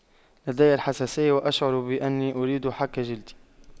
لدي الحساسية وأشعر بأني أريد حك جلدي